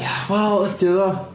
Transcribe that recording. Ia wel ydy o ddo?